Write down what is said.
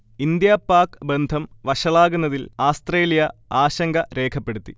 India Pak ബന്ധം വഷളാകുന്നതിൽ Australia ആശങ്ക രേഖപ്പെടുത്തി